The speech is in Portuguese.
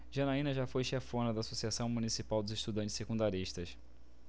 janaina foi chefona da ames associação municipal dos estudantes secundaristas